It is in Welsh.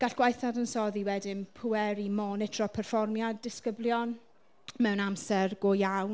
Gall gwaith dadansoddi wedyn pweru monitro perfformiad disgyblion mewn amser go iawn.